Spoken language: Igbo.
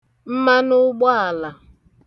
mmanụụgbaàlà